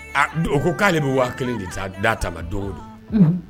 A o ko k'ale bɛ wa kenken de ci, d'a ta ma don o don. Unhun.